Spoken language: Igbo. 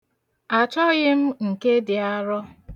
Achọghị m nke dị arọ.